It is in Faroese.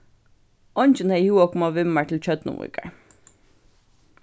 eingin hevði hug at koma við mær til tjørnuvíkar